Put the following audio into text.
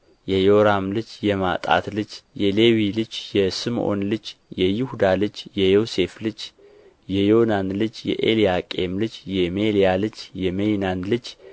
የዮራም ልጅ የማጣት ልጅ የሌዊ ልጅ የስምዖን ልጅ የይሁዳ ልጅ የዮሴፍ ልጅ የዮናን ልጅ የኤልያቄም ልጅ የሜልያ ልጅ የማይናን ልጅ